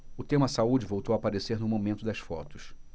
o tema saúde voltou a aparecer no momento das fotos